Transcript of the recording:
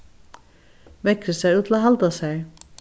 veðrið sær út til at halda sær